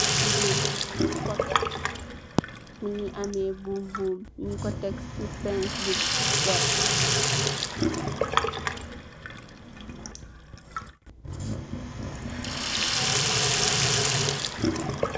Jigeen bu ñuul kóket mugii ameh buum buum, ñing ko tek ci fens bu werta.